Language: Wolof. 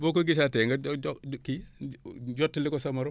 boo ko gisaatee nga daw jox du kii jottali ko sa moroom